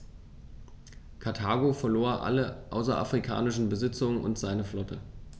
Karthago verlor alle außerafrikanischen Besitzungen und seine Flotte.